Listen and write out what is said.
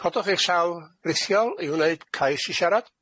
Codwch eich llaw rithiol i wneud cais i siarad.